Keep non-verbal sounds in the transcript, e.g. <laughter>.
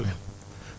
<hesitation> <hesitation>